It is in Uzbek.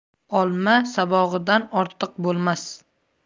olma sabog'idan ortiq bo'lmas